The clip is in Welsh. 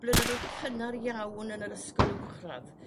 blynyddo'dd cynnar iawn yn yr ysgol uwchradd